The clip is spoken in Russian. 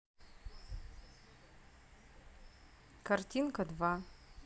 картинка два